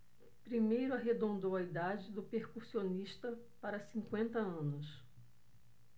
primeiro arredondou a idade do percussionista para cinquenta anos